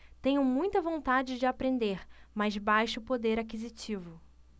tenho muita vontade de aprender mas baixo poder aquisitivo